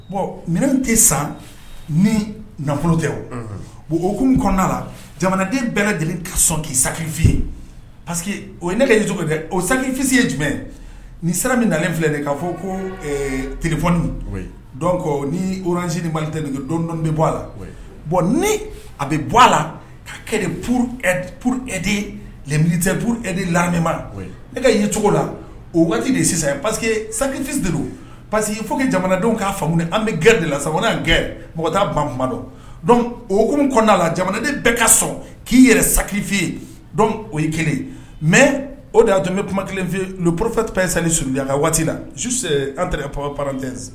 Bon minɛn tɛ san ni naoro tɛ o bon ok kɔnɔna la jamanaden bɛɛ ka lajɛlen ka son sakifiye pa que o ye ne yecogo dɛ o sajifisi ye jumɛn ni sera min nalen filɛ de kaa fɔ ko tfin kɔ ni oransi ni bali tɛ nin dondɔn bɛ bɔ a la bɔn ni a bɛ bɔ a la ka kɛ poro e de bteuru e de lama e ka yecogo la o waati wagati de sisan pa que safi de pa que fo jamanadenw k'a faamu an bɛ gɛrɛ de la sabanan kɛ mɔgɔ t taa banbadɔ dɔn okun kɔnɔna la jamanaden bɛɛ ka sɔn k'i yɛrɛ saki f yen dɔn o ye kelen mɛ o de' tun bɛ kuma kelen fɛ yen porofɛp sa surya ka waati la su anpte